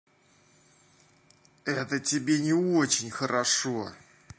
это тебе не очень хорошо